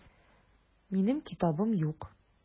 Минем китабым юк.